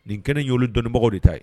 Nin kɛnɛ y' dɔnibagaw de ta ye